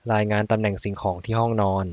รายงานตำแหน่งสิ่งของที่ห้องนอน